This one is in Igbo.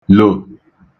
lò